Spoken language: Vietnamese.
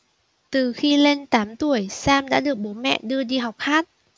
từ khi lên tám tuổi sam đã được bố mẹ đưa đi học hát